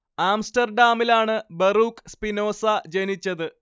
ആംസ്റ്റർഡാമിലാണ് Baruch Spinoza ജനിച്ചത്